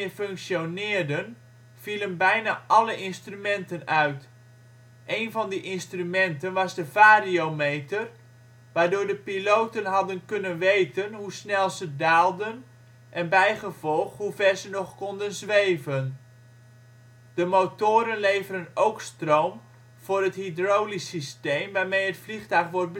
functioneerden vielen bijna alle instrumenten uit. Een van die instrumenten was de variometer, waardoor de piloten hadden kunnen weten hoe snel ze daalden en bijgevolg hoe ver ze nog konden zweven. De motoren leveren ook stroom voor het hydraulisch systeem waarmee het vliegtuig wordt